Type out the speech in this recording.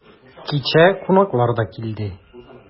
Кичә кунаклар да килде.